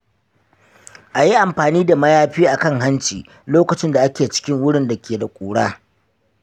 a yi amfani da mayafi a kan hanci lokacin da ake cikin wurin da ke da ƙura.